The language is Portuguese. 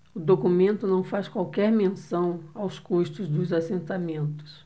o documento não faz qualquer menção aos custos dos assentamentos